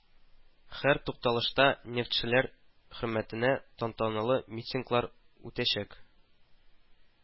Һәр тукталышта нефтьчеләр хөрмәтенә тантаналы митинглар үтәчәк